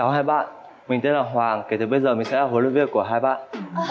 chào hai bạn mình tên là hoàng kể từ bây giờ mình sẽ là huấn luyện viên của hai bạn